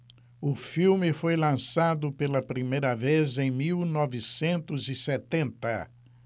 o filme foi lançado pela primeira vez em mil novecentos e setenta